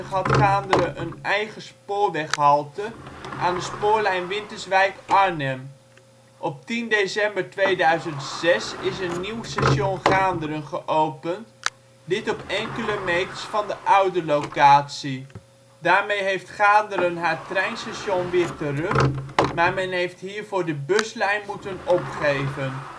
had Gaanderen een eigen spoorweghalte aan de spoorlijn Winterswijk - Arnhem. Op 10 december 2006 is een nieuw station Gaanderen geopend, dit op enkele meters van de oude locatie. Daarmee heeft Gaanderen haar treinstation weer terug. Maar men heeft hiervoor de buslijn moeten opgeven